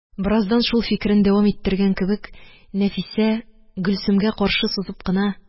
Бераздан шул фикерен дәвам иттергән кебек, Нәфисә Гөлсемгә каршы сузып кына: